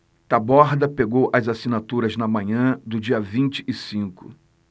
taborda pegou as assinaturas na manhã do dia vinte e cinco